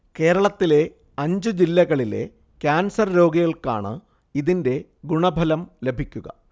കേരളത്തിലെ അഞ്ച് ജില്ലകളിലെ ക്യാൻസർ രോഗികളാണ് ഇതിന്റെ ഗുണഫലം ലഭിക്കുക